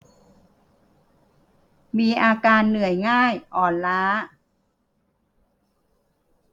มีอาการเหนื่อยง่ายอ่อนล้า